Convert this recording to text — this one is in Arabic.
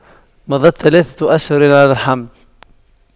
مضت ثلاثة أشهر على الحمل